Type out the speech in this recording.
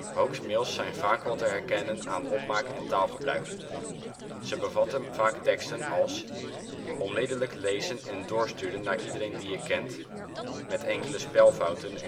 Hoax-mails zijn vaak wel te herkennen aan opmaak en taalgebruik. Ze bevatten vaak teksten als " ONMIDDELLIJK LEZEN EN DOORSTUREN NAAR IEDEREEN DIE JE KENT!!!! " In